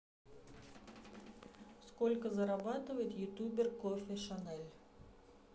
сколько зарабатывает ютубер coffee channel